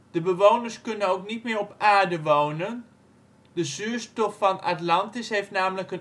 De bewoners kunnen ook niet meer op aarde wonen. De zuurstof van Atlantis heeft namelijk